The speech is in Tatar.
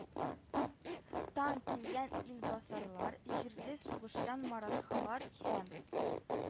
Тан килгән илбасарлар, җирле сугышчан маратхалар һәм